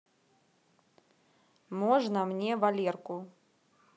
можно мне валерку